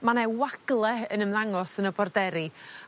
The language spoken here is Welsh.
ma' 'na wagle yn ymddangos yn y borderi.